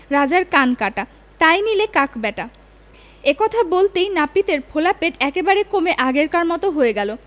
রাজার কান কাটা তাই নিলে কাক ব্যাটা এই কথা বলতেই নাপিতের ফোলা পেট একেবারে কমে আগেকার মতো হয়ে গেল